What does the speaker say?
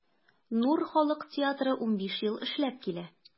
“нур” халык театры 15 ел эшләп килә.